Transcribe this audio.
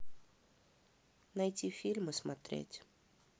найти фильм и смотреть